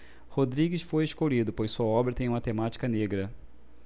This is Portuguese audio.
rodrigues foi escolhido pois sua obra tem uma temática negra